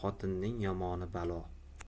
xotinning yomoni balo